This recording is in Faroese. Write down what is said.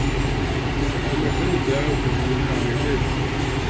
eg má finna út av hvat hann vil hava meg at gera